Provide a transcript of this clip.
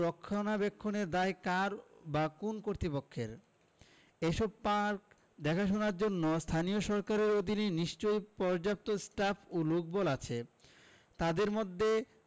রক্ষণাবেক্ষণের দায় কার বা কোন্ কর্তৃপক্ষের এসব পার্ক দেখাশোনার জন্য স্থানীয় সরকারের অধীনে নিশ্চয়ই পর্যাপ্ত স্টাফ ও লোকবল আছে তাদের মধ্যে